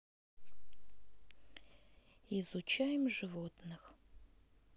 изучаем животных